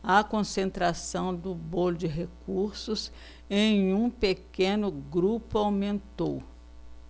a concentração do bolo de recursos em um pequeno grupo aumentou